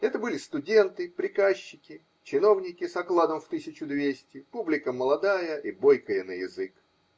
Это были студенты, приказчики, чиновники с окладом в тысячу двести, публика молодая и бойкая на язык.